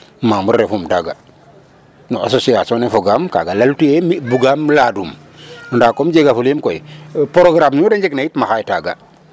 membre refum taga no association ne fogam kaga lal tuye mi bugaam ladum nda comme jega fuliim koy progamme nu de njeg na yit maxey taga